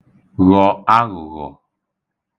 ghọ̀ aghụ̀ghọ̀